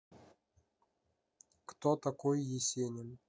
кто такой есенин